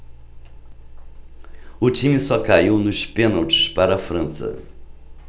o time só caiu nos pênaltis para a frança